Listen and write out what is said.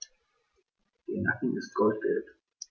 Der Nacken ist goldgelb.